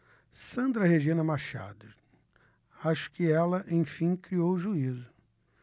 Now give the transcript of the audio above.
sandra regina machado acho que ela enfim criou juízo